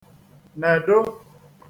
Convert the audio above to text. nèdo